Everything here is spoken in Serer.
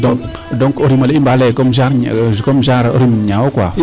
donc donc o rimole i mbaa leye comme genre rim ñaawo quoi